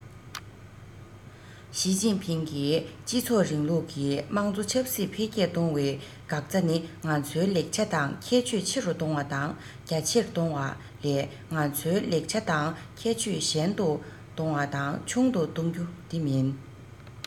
ཞིས ཅིན ཕིང གིས སྤྱི ཚོགས རིང ལུགས ཀྱི དམངས གཙོ ཆབ སྲིད འཕེལ རྒྱས གཏོང བའི འགག རྩ ནི ང ཚོའི ལེགས ཆ དང ཁྱད ཆོས ཆེ རུ གཏོང བ དང རྒྱ ཆེར གཏོང བ ལས ང ཚོའི ལེགས ཆ དང ཁྱད ཆོས ཞན དུ གཏོང བ དང ཆུང དུ གཏོང རྒྱུ དེ མིན